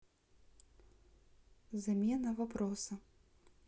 замена вопроса